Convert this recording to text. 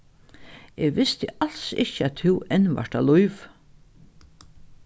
eg visti als ikki at tú enn vart á lívi